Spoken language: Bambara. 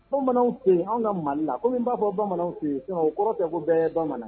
Bamananw tɛ yen an ka mali la ko b'a fɔ bamanan tɛ yen kɔrɔ tɛ ko bɛn ye bamanan